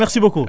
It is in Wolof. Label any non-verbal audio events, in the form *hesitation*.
*hesitation* *hesitation*